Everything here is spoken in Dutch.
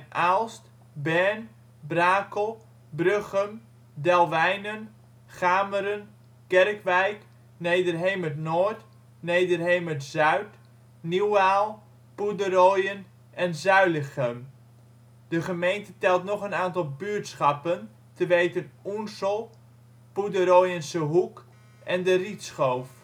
Aalst, Bern, Brakel, Bruchem, Delwijnen, Gameren, Kerkwijk, Nederhemert-Noord, Nederhemert-Zuid, Nieuwaal, Poederoijen en Zuilichem. De gemeente telt nog een aantal buurtschappen, te weten: Oensel, Poederoijensehoek en De Rietschoof